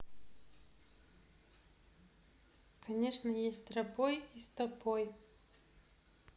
конечно есть тропой и стопой